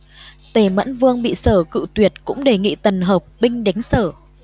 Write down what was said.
tề mẫn vương bị sở cự tuyệt cũng đề nghị tần hợp binh đánh sở